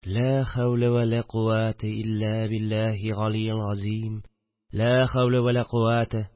– ләхәүлә вә лә куәтә илля билляһи галиел газим... ләхәүлә вә лә куәтә